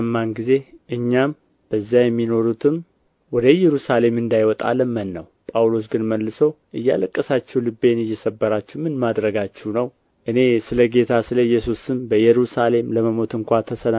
በሰማን ጊዜ እኛም በዚያ የሚኖሩትም ወደ ኢየሩሳሌም እንዳይወጣ ለመንነው ጳውሎስ ግን መልሶ እያለቀሳችሁ ልቤንም እየሰበራችሁ ምን ማድረጋችሁ ነው እኔ ስለ ጌታ ስለ ኢየሱስ ስም በኢየሩሳሌም ለመሞት እንኳ